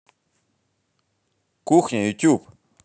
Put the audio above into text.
кухня ютуб